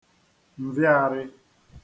m̀vịaarị̄